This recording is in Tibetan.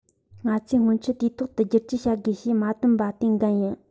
ང ཚོས སྔོན ཆད དུས ཐོག ཏུ བསྒྱུར བཅོས བྱ དགོས ཞེས མ བཏོན པ དེའི འགན ཡིན